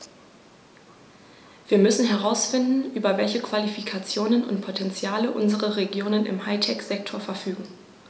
Wir müssen herausfinden, über welche Qualifikationen und Potentiale unsere Regionen im High-Tech-Sektor verfügen.